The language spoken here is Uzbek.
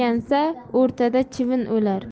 o'rtada chivin o'lar